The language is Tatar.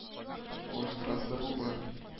– алыштырасы булыр